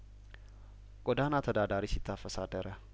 ጐዳና ተዳዳሪ ሲታፈስ አደረ